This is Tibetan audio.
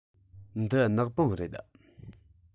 འདི ནག པང རེད